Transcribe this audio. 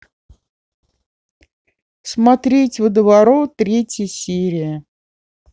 смотреть водоворот третья серия